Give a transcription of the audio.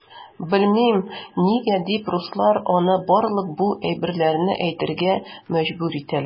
Белмим, нигә дип руслар аны барлык бу әйберләрне әйтергә мәҗбүр итәләр.